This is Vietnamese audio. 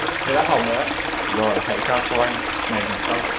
thế là hỏng r ấy rồi hãy trao cho anh này